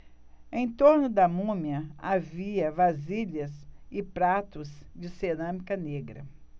em torno da múmia havia vasilhas e pratos de cerâmica negra